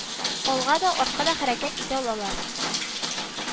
Алга да, артка да хәрәкәт итә алалар